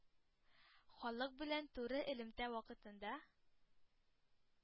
Халык белән туры элемтә вакытында